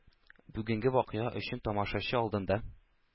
Бүгенге вакыйга өчен тамашачы алдында